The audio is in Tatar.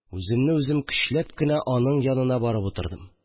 Үземне үзем көчләп кенә аның янына барып утырдым